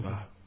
waa